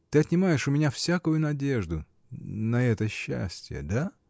Ты отнимаешь у меня всякую надежду. на это счастье. да?